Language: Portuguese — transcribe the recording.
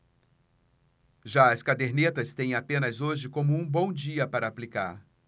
já as cadernetas têm apenas hoje como um bom dia para aplicar